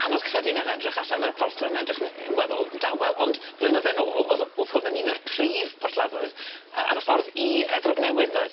Anodd credu'n ne- edrych allan ar y porthladd ma' edrych yn yn weddol dawel ond blynydde nôl o'dd o'dd hwn yn un o'r prif porthladdoedd yy ar y ffordd i Efrog Newydd yndoedd?